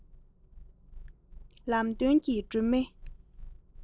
ལམ སྟོན གྱི སྒྲོན མེ